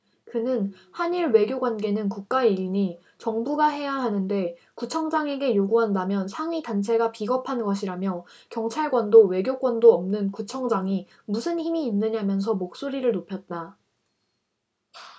그는 한 일 외교관계는 국가일이니 정부가 해야하는데 구청장에게 요구한다면 상위 단체가 비겁한 것이라며 경찰권도 외교권도 없는 구청장이 무슨 힘이 있느냐면서 목소리를 높였다